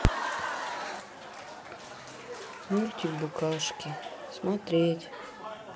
мультик букашки смотреть